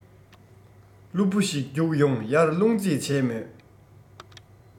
སློབ བུ ཞིག བརྒྱུགས ཡོང ཡར སློང རྩིས བྱས མོད